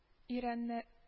Ирәнне